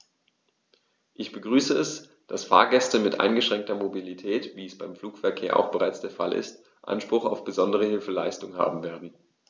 Ich begrüße es, dass Fahrgäste mit eingeschränkter Mobilität, wie es beim Flugverkehr auch bereits der Fall ist, Anspruch auf besondere Hilfeleistung haben werden.